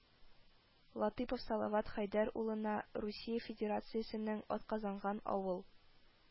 ЛАТЫЙПОВ Салават Хәйдәр улына “Русия Федерациясенең атказанган авыл